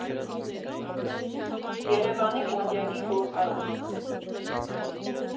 Երևանի կոնյակի գործարան։